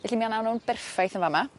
felly mi a nawn nw'n berffaith yn fa' 'ma